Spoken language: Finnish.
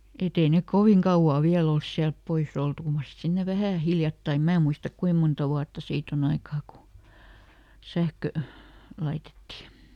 että ei ne kovin kauaa vielä ole sieltä pois oltu kyllä mar sitten sinne vähän hiljattain minä muista kuinka monta vuotta siitä on aikaa kun sähkö laitettiin